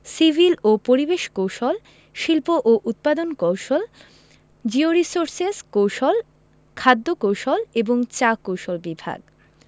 civil ও পরিবেশ কৌশল শিল্প ও উৎপাদন কৌশল জিওরির্সোসেস কৌশল খাদ্য কৌশল এবং চা কৌশল বিভাগ